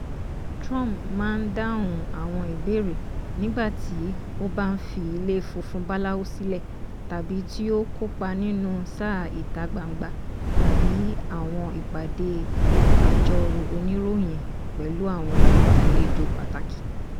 Trump máa ń dáhùn àwọn ìbéèrè nígbàtí ó bá ń fi Ilé Funfun Báláú sílẹ̀ tàbí tí ó ń kópa nínú ṣàá ìta gbangba tàbí àwọn ìpàdé àjọrò oníròyìn pẹ̀lú àwọn àlejò pàtàkì.